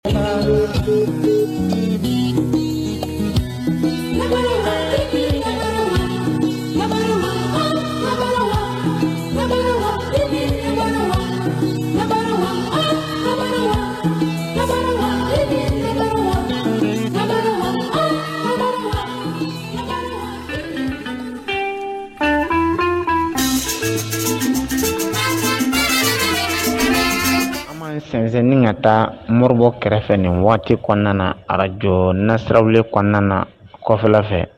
Misɛnnin ka taa moribɔ kɛrɛfɛ ni waati kɔnɔna na araj nasiraw kɔnɔna na kɔfɛ fɛ